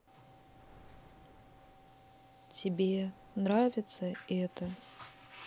тебе нравится это